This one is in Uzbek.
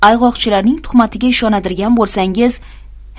ayg'oqchilarning tuhmatiga ishonadirgan bo'lsangiz